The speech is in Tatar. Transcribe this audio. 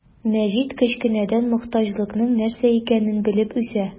Мәҗит кечкенәдән мохтаҗлыкның нәрсә икәнен белеп үсә.